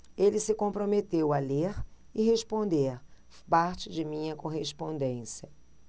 ele se comprometeu a ler e responder parte da minha correspondência